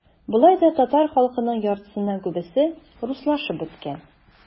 Болай да татар халкының яртысыннан күбесе - руслашып беткән.